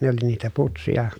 ne oli niitä putseja